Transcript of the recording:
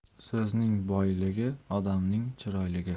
so'zning boyligi odamning chiroyligi